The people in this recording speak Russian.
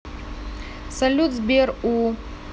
салют сбер у